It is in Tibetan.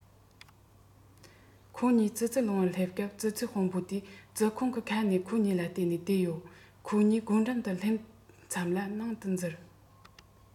ཁོ གཉིས ཙི ཙིས ལུང པར སླེབས སྐབས ཙི ཙིའི དཔོན པོ དེ ཙི ཁུང གི ཁ ནས ཁོ གཉིས ལ བལྟས ནས བསྡད ཡོད ཁོ གཉིས སྒོ འགྲམ དུ སླེབས མཚམས ལ ནང དུ འཛུལ